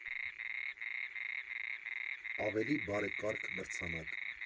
Ավելի բարեկարգ մրցանակ։